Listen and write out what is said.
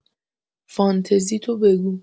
فانتزیتو بگو.